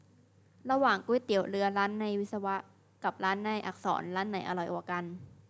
ระหว่างก๋วยเตี๋ยวเรือร้านในวิศวะกับร้านในอักษรร้านไหนอร่อยกว่ากัน